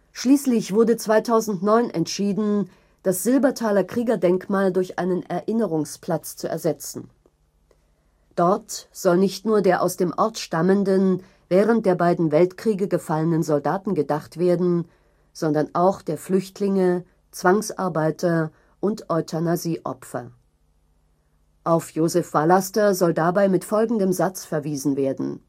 Schließlich wurde 2009 entschieden, das Silbertaler Kriegerdenkmal durch einen Erinnerungsplatz zu ersetzen. Dort soll nicht nur der aus dem Ort stammenden, während der beiden Weltkriege gefallenen Soldaten gedacht werden, sondern auch der Flüchtlinge, Zwangsarbeiter und „ Euthanasie “- Opfer. Auf Josef Vallaster soll dabei mit folgendem Satz verwiesen werden